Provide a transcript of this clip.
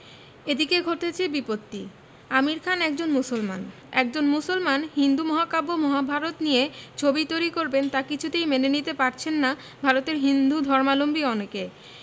এদিকে ঘটেছে বিপত্তি আমির খান একজন মুসলমান একজন মুসলমান হিন্দু মহাকাব্য মহাভারত নিয়ে ছবি তৈরি করবেন তা কিছুতেই মেনে নিতে পারছেন না ভারতের হিন্দুধর্মাবলম্বী অনেকে